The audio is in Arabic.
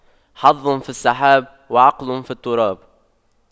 حظ في السحاب وعقل في التراب